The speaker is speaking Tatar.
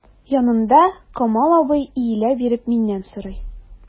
Янымда— Камал абый, иелә биреп миннән сорый.